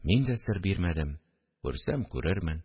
Мин дә сер бирмәдем: – Күрсәм күрермен